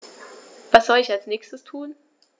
Was soll ich als Nächstes tun?